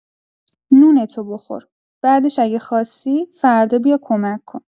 نونتو بخور، بعدش اگه خواستی، فردا بیا کمک کن.